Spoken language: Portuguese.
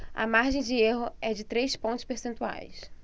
a margem de erro é de três pontos percentuais